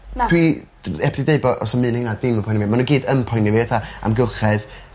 Na. ...dwi dw- yy dwi'm deu bo' 'o's 'im un un 'na dim yn poeni fi ma' n'w gyd yn peoni fi fatha amgylchedd